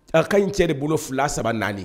A ka in cɛ de bolo fila saba naani